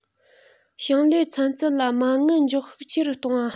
ཞིང ལས ཚན རྩལ ལ མ དངུལ འཇོག ཤུགས ཆེ རུ གཏོང བ